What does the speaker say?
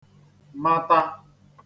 mata